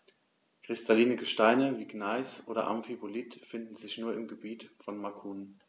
Kristalline Gesteine wie Gneis oder Amphibolit finden sich nur im Gebiet von Macun.